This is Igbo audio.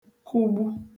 kụgbu